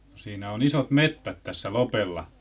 siinä on isot metsät tässä Lopella